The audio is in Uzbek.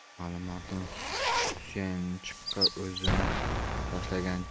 alimardon suyanchiqqa o'zini tashlagancha